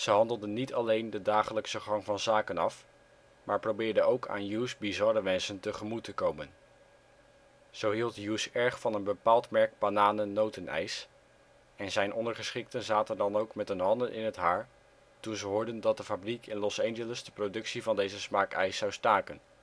handelden niet alleen de dagelijkse gang van zaken af, maar probeerden ook aan Hughes ' bizarre wensen tegemoet te komen. Zo hield Hughes erg van een bepaald merk bananen-notenijs, en zijn ondergeschikten zaten dan ook met hun handen in het haar toen ze hoorden dat de fabriek in Los Angeles de productie van deze smaak ijs zou staken. Ze plaatsten